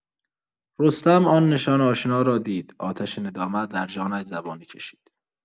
رستم، آن نشان آشنا را دید، آتش ندامت در جانش زبانه کشید.